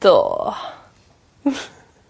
Do.